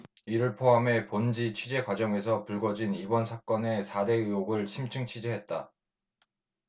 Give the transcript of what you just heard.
이를 포함해 본지 취재 과정에서 불거진 이번 사건의 사 대 의혹을 심층 취재했다